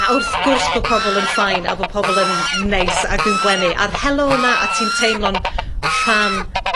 a wrth gwrs bo' pobol yn ffein a bo' pobol yn neis ac yn gwenu a'r helo 'na a ti'n teimlo'n rhan